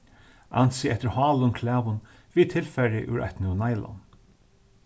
ansið eftir hálum klæðum við tilfari úr eitt nú nylon